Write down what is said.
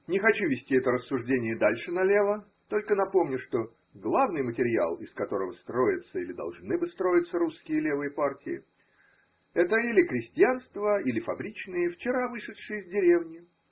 Не хочу вести это рассуждение дальше налево, только напомню, что главный материал, из которого строятся или должны бы строиться русские левые партии, это – или крестьянство или фабричные, вчера вышедшие из деревни.